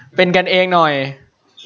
เป็นกันเองหน่อย